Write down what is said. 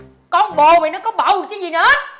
con bồ mày nó có bầu chứ gì nữa